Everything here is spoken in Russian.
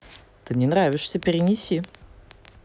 ты мне нравишься перенеси